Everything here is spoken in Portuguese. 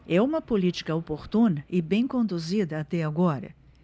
é uma política oportuna e bem conduzida até agora